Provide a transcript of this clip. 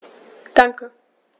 Danke.